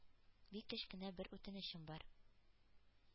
Бик кечкенә генә бер үтенечем бар.